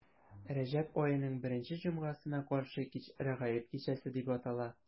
Рәҗәб аеның беренче җомгасына каршы кич Рәгаиб кичәсе дип атала.